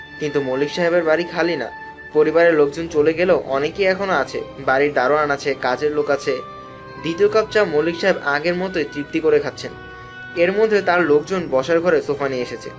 কিন্তু মল্লিক সাহেবের বাড়ি খালি না পরিবারের লোকজন চলে গেলেও অনেকেই এখনো আছে বাড়ির দারোয়ান আছে কাজের লোক আছে দ্বিতীয় কাপ চা মল্লিক সাহেব আগের মতই তৃপ্তি করে খাচ্ছেন এর মধ্যে তার লোকজন বসার ঘরের সোফা নিয়ে এসেছে